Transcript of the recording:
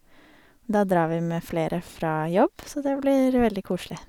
Da drar vi med flere fra jobb, så det blir veldig koselig.